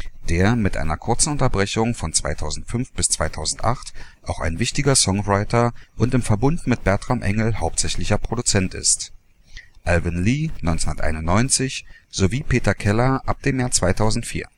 der mit einer kurzen Unterbrechung (2005 – 2008) auch ein wichtiger Songwriter und im Verbund mit Bertram Engel hauptsächlicher Produzent ist, Alvin Lee (1991), sowie Peter Keller ab dem Jahre 2004